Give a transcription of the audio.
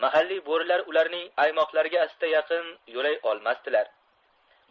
mahalliy bo'rilar ularning aymoq dariga asti yaqin yo'lay olmasdilar